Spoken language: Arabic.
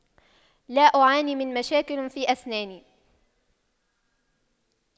لا أعاني من مشاكل في أسناني